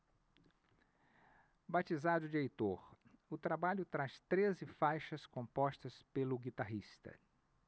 batizado de heitor o trabalho traz treze faixas compostas pelo guitarrista